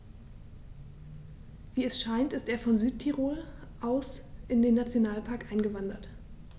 Wie es scheint, ist er von Südtirol aus in den Nationalpark eingewandert.